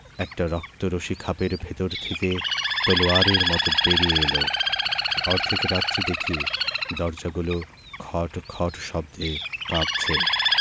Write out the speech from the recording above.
একটা রক্ত রশ্মি খাপের ভেতর থেকে তলোয়ারের মত বেরিয়ে এল অর্ধেক রাত্রে দেখি দরজাগুলো খটখট শব্দে কাঁপছে